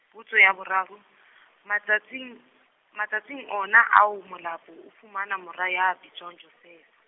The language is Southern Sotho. potso ya boraro, matsatsing, matsatsing o na ao Molapo o fumana mora ya bitswang Josefa.